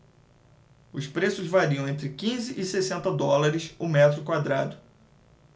os preços variam entre quinze e sessenta dólares o metro quadrado